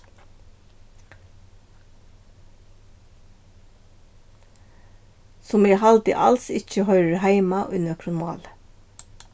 sum eg haldi als ikki hoyrir heima í nøkrum máli